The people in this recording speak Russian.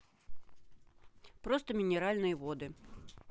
просто минеральные воды